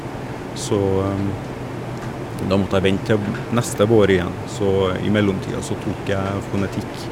Så da måtte jeg vente til vm neste vår igjen, så i mellomtida så tok jeg fonetikk.